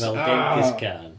Fel Genghis Khan.